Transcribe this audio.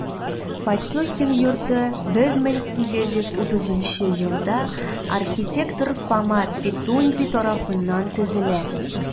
Потехин йорты 1830 елда архитектор Фома Петонди тарафыннан төзелә.